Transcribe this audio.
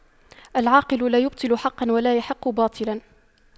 العاقل لا يبطل حقا ولا يحق باطلا